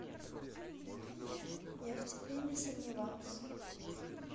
я в тебе не сомневался